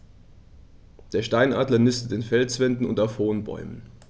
Der Steinadler nistet in Felswänden und auf hohen Bäumen.